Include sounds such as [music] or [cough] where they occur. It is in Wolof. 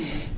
[hesitation] [hesitation]